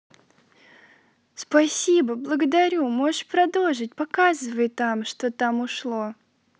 спасибо благодарю можешь продолжить показывай там что там ушло